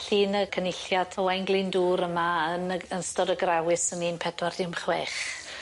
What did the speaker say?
Llun y cynulliad Owain Glyndŵr yma yn yy yn ystod y Grawys yn un pedwar dim chwech.